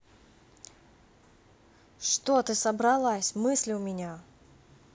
что ты собралась мысли у меня